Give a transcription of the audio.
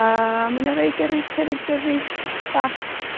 A, ma' 'na rei gerrig, cerrig beddi bach.